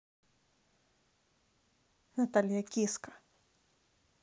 наталья киска